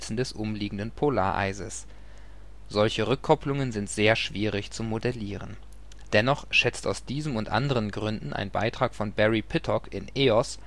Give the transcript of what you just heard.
des umliegenden Polareises. Solche Rückkopplungen sind sehr schwierig zu modellieren. Dennoch schätzt aus diesem und anderen Gründen ein Beitrag von Barrie Pittock in Eos